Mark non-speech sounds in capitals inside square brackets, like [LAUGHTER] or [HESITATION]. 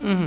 [HESITATION] [HESITATION]